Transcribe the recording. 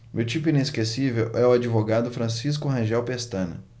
meu tipo inesquecível é o advogado francisco rangel pestana